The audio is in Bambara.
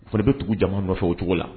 Fana bɛ tugu jamana nɔfɛ o cogo la